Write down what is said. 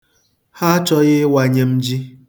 Ha achọghị ịwanye m ji.